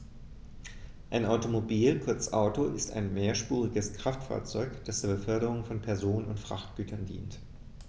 Ein Automobil, kurz Auto, ist ein mehrspuriges Kraftfahrzeug, das zur Beförderung von Personen und Frachtgütern dient.